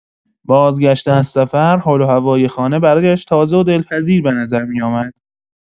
بازگشته از سفر، حال و هوای خانه برایش تازه و دلپذیر به نظر می‌آمد.